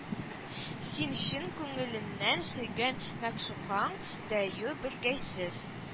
Син чын күңеленнән сөйгән мәгъшукаң дәю белгәйсез